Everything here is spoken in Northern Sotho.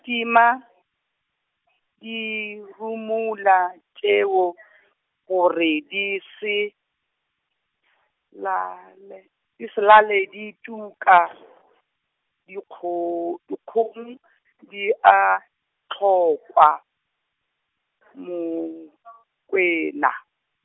tima , dirumula tšeo , gore di se , laele di se laele di tuka , dikgo dikgong di a, hlokwa, Mokwena.